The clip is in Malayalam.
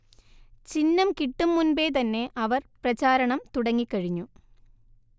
ചിഹ്നം കിട്ടും മുൻപേ തന്നെ അവർ പ്രചാരണം തുടങ്ങിക്കഴിഞ്ഞു